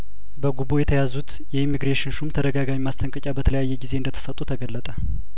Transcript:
በጉቦ የተያዙት የኢሚግሬሽን ሹም ተደጋጋሚ ማስጠንቀቂያ በተለያየጊዜ እንደተሰጡ ተገለጠ